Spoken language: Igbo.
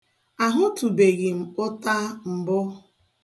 Ahụtụbeghị m ụta mbụ.